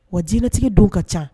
Wa jinɛtigi don ka ca